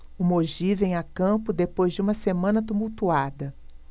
o mogi vem a campo depois de uma semana tumultuada